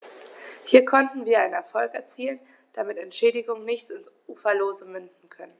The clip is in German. Hier konnten wir einen Erfolg erzielen, damit Entschädigungen nicht ins Uferlose münden können.